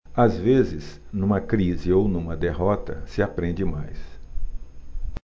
às vezes numa crise ou numa derrota se aprende mais